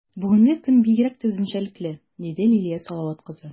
Бүгенге көн бигрәк тә үзенчәлекле, - диде Лилия Салават кызы.